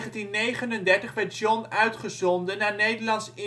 In 1939 werd John uitgezonden naar Nederlands-Indië